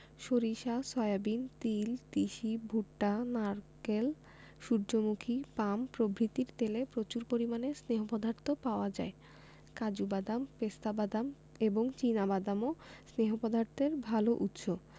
সরিষা সয়াবিন তিল তিসি ভুট্টা নারকেল সুর্যমুখী পাম প্রভৃতির তেলে প্রচুর পরিমাণে স্নেহ পদার্থ পাওয়া যায় কাজু বাদাম পেস্তা বাদাম এবং চিনা বাদামও স্নেহ পদার্থের ভালো উৎস